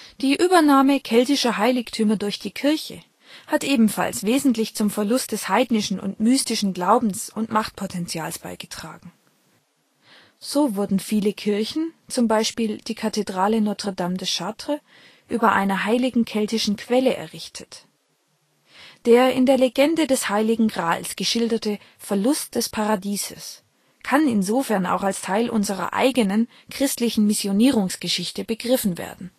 Die Übernahme keltischer Heiligtümer durch die Kirche hat ebenfalls wesentlich zum Verlust des heidnischen und mystischen Glaubens und Machtpotentials beigetragen. So wurden viele Kirchen, z. B. die Kathedrale Notre-Dame de Chartres, über einer heiligen keltischen Quelle errichtet. Der in der Legende des Heiligen Grals geschilderte Verlust des Paradieses kann insofern auch als Teil unserer eigenen christlichen Missionierungsgeschichte begriffen werden